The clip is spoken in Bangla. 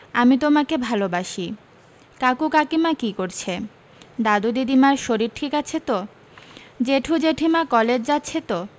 আমি তোমাকে ভালোবাসি কাকু কাকীমা কী করছে দাদু দিদিমার শরীর ঠিক আছে তো জ্যেঠু জেঠিমা কলেজ যাচ্ছে তো